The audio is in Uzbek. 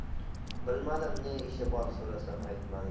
bilmadim ne ishi bor so'rasam aytmadi